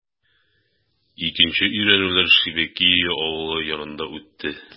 Икенче өйрәнүләр Шебекиио авылы янында үтте.